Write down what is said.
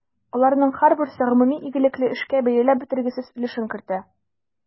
Аларның һәрберсе гомуми игелекле эшкә бәяләп бетергесез өлешен кертә.